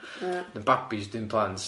Ie. Babi's dim plant tibod?